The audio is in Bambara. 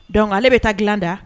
Donc ale bɛ taa dilan da